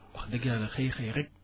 wax dëgg yàlla xëy xëy rekk